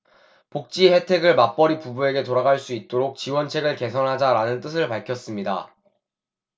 복지혜택을 맞벌이 부부에게 돌아갈 수 있도록 지원책을 개선하자 라는 뜻을 밝혔습니다